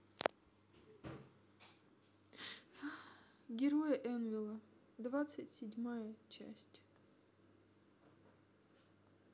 герои энвелла двадцать седьмая часть